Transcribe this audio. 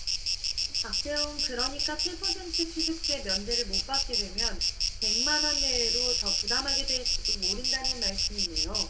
박재홍 그러니까 칠 퍼센트 취득세 면제를 못 받게 되면 백 만원 내외로 더 부담하게 될지도 모른다는 말씀이네요